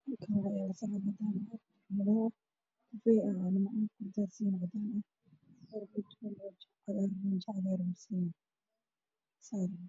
Waa kunta ku jirto saxan waxaa dusha ka saaran qudaar cagaar ah